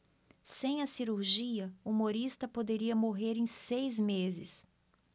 sem a cirurgia humorista poderia morrer em seis meses